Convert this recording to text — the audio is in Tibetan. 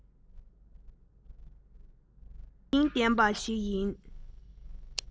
རང བཞིན ལྡན པ ཞིག ཡིན